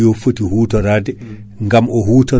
kala awdi non woni awdi maaka